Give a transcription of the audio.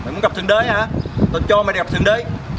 mày muốn gặp thượng đế hả tao cho mày đi gặp thượng đế